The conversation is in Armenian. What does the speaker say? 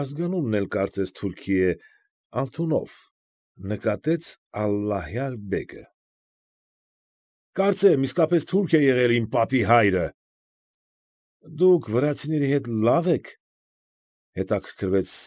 Ազգանունն էլ կարծես թուրքի է, Ալթունով,֊ նկատեց Ալլահյար֊բեգը։ ֊ Կարծեմ, իսկապես թուրք էլ եղել է իմ պապի հայրը։ ֊ Դուք վրացիների հետ լա՞վ եք,֊ հետաքրքրվեց։